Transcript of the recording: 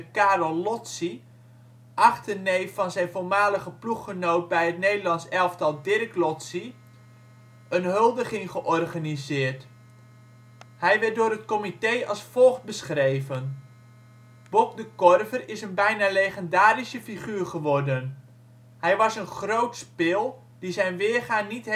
Karel Lotsy (achterneef van zijn voormalige ploeggenoot bij het Nederlands elftal Dirk Lotsij) een huldiging georganiseerd. Hij werd door het comité als volgt beschreven: " Bok de Korver is een bijna legendarische figuur geworden. Hij was een groot spil, die zijn weerga niet